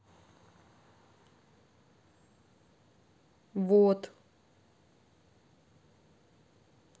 вот